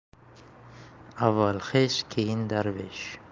avval xesh keyin darvesh